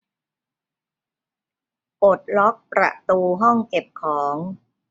ปลดล็อกประตูห้องเก็บของ